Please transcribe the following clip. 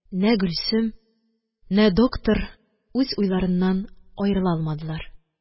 Нә гөлсем, нә доктор үз уйларыннан аерыла алмадылар.